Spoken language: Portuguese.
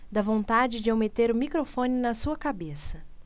dá vontade de eu meter o microfone na sua cabeça